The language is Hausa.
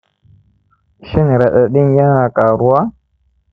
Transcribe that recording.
shin raɗaɗin ya na ƙaruwa